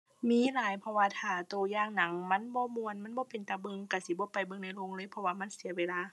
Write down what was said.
มีหลาย เพราะว่าถ้าตัวอย่างหนังมันบ่ม่วน มันบ่เป็นตาเบิ่ง ตัวสิบ่ไปเบิ่งในโรงเลย เพราะว่ามันเสียเวลา